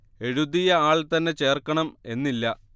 എഴുതിയ ആൾ തന്നെ ചേർക്കണം എന്നില്ല